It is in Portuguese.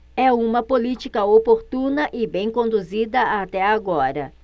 é uma política oportuna e bem conduzida até agora